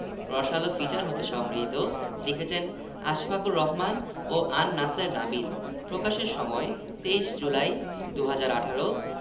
বাবা ছেলের দিকে তাকিয়ে দেখল পাত্রীর মা যে হালকা নাশতা রেখে গেছে তার ছেলে সেটাই আয়েশ করে পায়ের ওপর পা তুলে খাচ্ছে বাবা বললেন তেমন কিছু না